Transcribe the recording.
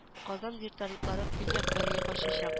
Казан вертолетлары Көньяк Кореяга очачак